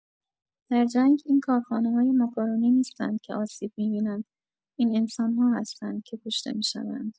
در جنگ این کارخانه‌های ماکارونی نیستند که آسیب می‌بینند، این انسان‌ها هستند که کشته می‌شوند!